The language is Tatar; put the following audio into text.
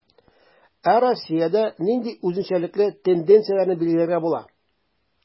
Ә Россиядә нинди үзенчәлекле тенденцияләрне билгеләргә була?